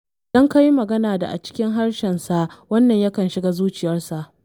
Idan ka yi magana da a cikin harshensa wannan yakan shiga zuciyarsa.”